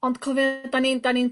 Ond cofio 'dan ni'n 'dan ni'n...